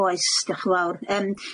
Yy oes, diolch yn fawr.